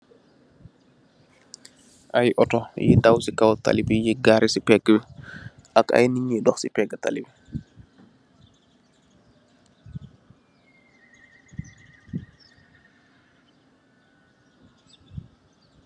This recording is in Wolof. Ay ooto yi daaw si kaaw talibi, yi gaare si pegi bi, ak ay niinyi dox si pegi talibi